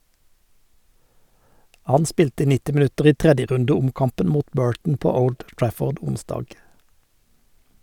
Han spilte 90 minutter i 3. runde-omkampen mot Burton på Old Trafford onsdag.